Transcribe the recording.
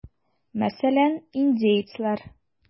Мәсәлән, индеецлар.